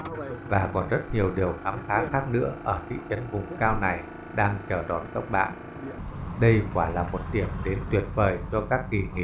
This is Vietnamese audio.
và còn có rất nhiều điều khám phá khác nữa ở thị trấn vùng cao này đang chờ đón các bạn đây quả là một điểm đến tuyệt vời cho các kỳ nghỉ